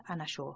ana shu